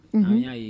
Y'a ye